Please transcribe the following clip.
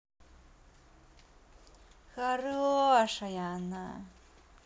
хорошая она